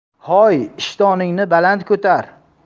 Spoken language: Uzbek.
hoy ishtoningni baland ko'tar